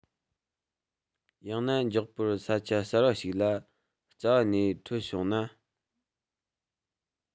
ཡང ན མགྱོགས པོར ས ཆ གསར པ ཞིག ལ རྩ བ ནས འཕྲོད བྱུང ན